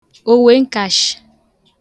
owe ǹkashị̀